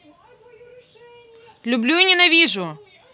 люблю и ненавижу